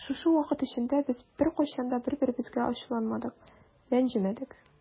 Шушы вакыт эчендә без беркайчан да бер-беребезгә ачуланмадык, рәнҗемәдек.